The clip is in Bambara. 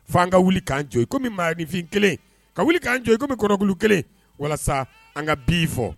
Fo an ka wili k'an jɔ i comme maaninfin 1 ka wili k'an jɔ i comme kɔnɔn kulu 1 walasa an ka bi fɔ.